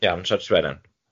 iawn